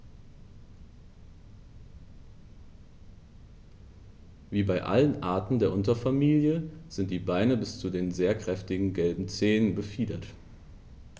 Wie bei allen Arten der Unterfamilie sind die Beine bis zu den sehr kräftigen gelben Zehen befiedert.